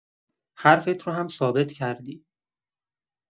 حرفت رو هم ثابت کردی.